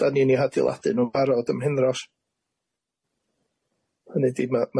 'Dan ni'n eu hadeiladu nhw'n barod ym Mhenros hynny 'di ma'